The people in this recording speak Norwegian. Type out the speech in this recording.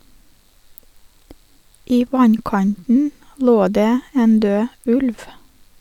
I vannkanten lå det en død ulv.